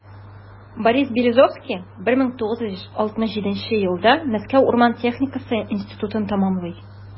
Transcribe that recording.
Борис Березовский 1967 елда Мәскәү урман техникасы институтын тәмамлый.